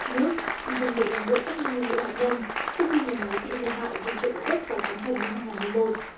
nước dùng để làm nguội các thanh nhiên liệu hạt nhân sau khi nhà máy bị hư hại vì trận động đất và sóng thần năm hai ngàn mười một